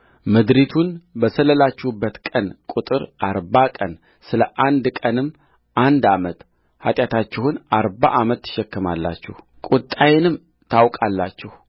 ምድሪቱን በሰላለችሁባት ቀን ቍጥር አርባ ቀን ስለ አንድ ቀንም አንድ ዓመት ኃጢአታችሁን አርባ ዓመት ትሸከማላችሁ ቍጣዬንም ታውቃላችሁ